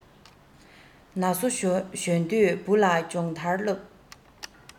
ན སོ གཞོན དུས བུ ལ སྦྱོང ཐར སློབས